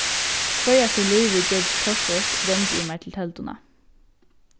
hvørja ferð lívið gjørdist torført vendi eg mær til telduna